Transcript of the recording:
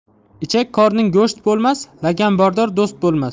ichak qorin go'sht bo'lmas laganbardor do'st bo'lmas